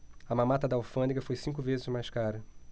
a mamata da alfândega foi cinco vezes mais cara